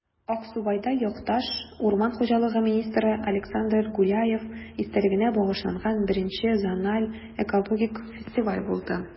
Аксубайда якташ, урман хуҗалыгы министры Александр Гуляев истәлегенә багышланган I зональ экологик фестиваль булды